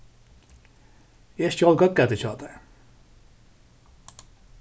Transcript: eg stjól góðgætið hjá tær